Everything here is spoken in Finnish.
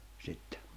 sitten